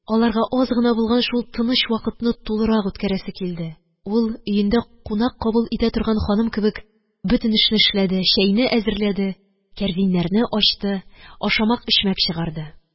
Аларга аз гына булган шул тыныч вакытны тулырак үткәрәсе килде; ул, өендә кунак кабул итә торган ханым кебек, бөтен эшне эшләде, чәйне хәзерләде, кәрзиннәрне ачты, ашамак-эчмәк чыгарды.